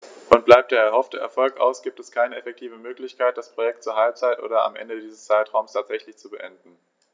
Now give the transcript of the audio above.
Und bleibt der erhoffte Erfolg aus, gibt es keine effektive Möglichkeit, das Projekt zur Halbzeit oder am Ende dieses Zeitraums tatsächlich zu beenden.